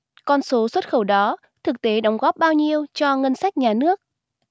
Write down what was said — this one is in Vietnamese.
con số xuất khẩu đó thực tế đóng góp bao nhiêu cho ngân sách nhà nước